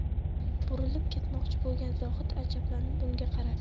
burilib ketmoqchi bo'lgan zohid ajablanib unga qaradi